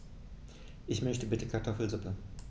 Ich möchte bitte Kartoffelsuppe.